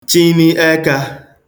chịni ẹkā